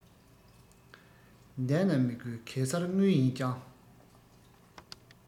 འདན ན མི དགོས གེ སར དངོས ཡིན ཀྱང